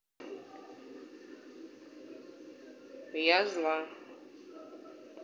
я зла